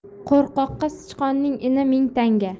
qo'rqoqqa sichqonning ini ming tanga